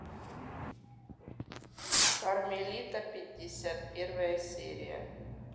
кармелита пятьдесят первая серия